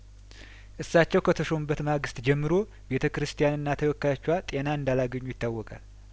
እሳቸው ከተሾሙበት ማግስት ጀምሮ ቤተ ክርስቲያንና ተከታዮቿ ጤና እንዳላ ገኙ ይታወቃል